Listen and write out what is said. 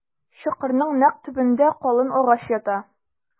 Чокырның нәкъ төбендә калын агач ята.